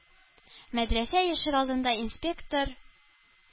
Мәдрәсә ишек алдында инспектор